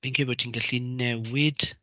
Fi'n credu bod ti'n gallu newid...